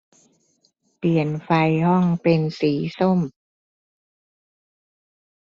เปลี่ยนไฟห้องเป็นสีส้ม